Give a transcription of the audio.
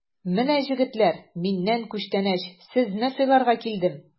Менә, җегетләр, миннән күчтәнәч, сезне сыйларга килдем!